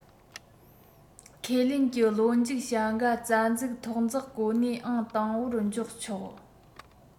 ཁས ལེན གྱི ལོ མཇུག བྱ དགའ རྩ ཚིག ཐོག འཛེགས གོ གནས ཨང དང པོར འཇོག ཆོག